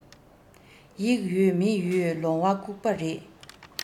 ཡིག ཡོད མིག ཡོད ལོང བ སྐུགས པ རེད